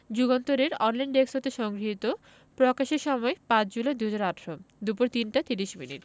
যুগান্তর এর online desk হতে সংগৃহীত প্রকাশের সময় ৫ জুলাই ২০১৮ দুপুর ৩টা ৩০ মিনিট